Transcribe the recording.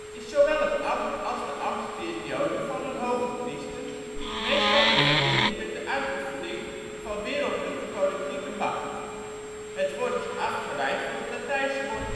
is zowel het ambt als de ambtsperiode van een (hoge) priester, meestal in verbinding met de uitoefening van wereldlijke, politieke macht. Het woord is afgeleid van het Latijnse woord